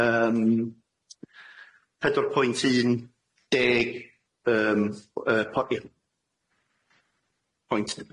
yym pedwar pwynt un deg yym yy po- ie pwynt,